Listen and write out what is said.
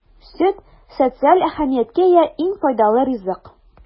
Сөт - социаль әһәмияткә ия иң файдалы ризык.